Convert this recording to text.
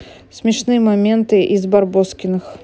смешные моменты из барбоскиных